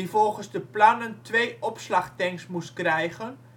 volgens de plannen twee opslagtanks moest krijgen